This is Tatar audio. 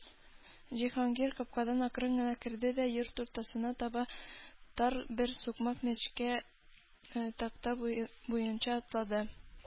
Җиһангир капкадан акрын гына керде дә йорт уртасына таба тар бер сукмак—нечкә такта буенча атлады.